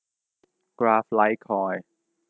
กราฟไลท์คอยน์